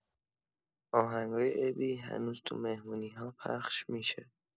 آهنگای ابی هنوز تو مهمونی‌ها پخش می‌شه.